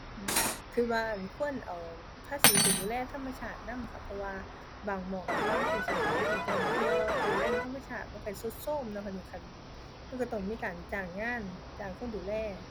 คิดว่าอั่นควรเอาภาษีไปดูแลธรรมชาตินำค่ะ เพราะว่าบางหม้องที่ว่ามันเป็นสถานที่ท่องเที่ยว เป็นแหล่งธรรมชาติ มันคิดทรุดโทรมเนาะค่ะหนิ คัน มันคิดต้องมีการจ้างงาน จ้างคนดูแล